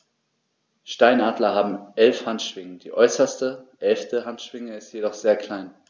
Steinadler haben 11 Handschwingen, die äußerste (11.) Handschwinge ist jedoch sehr klein.